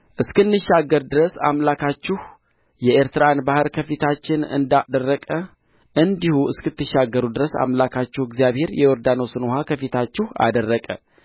እስክንሻገር ድረስ አምላካችሁ የኤርትራን ባሕር ከፊታችን እንዳደረቀ እንዲሁ እስክትሻገሩ ድረስ አምላካችሁ እግዚአብሔር የዮርዳኖስን ውኃ ከፊታችሁ አደረቀ